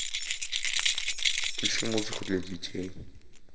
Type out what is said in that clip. включи музыку для детей